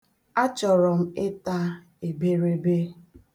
Achọrọ m ịta eberebe.